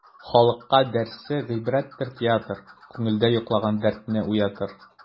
Халыкка дәрсе гыйбрәттер театр, күңелдә йоклаган дәртне уятыр.